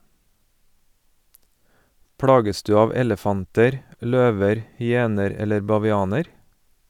Plages du av elefanter , løver , hyener eller bavianer?